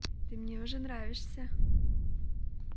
ты мне уже нравишься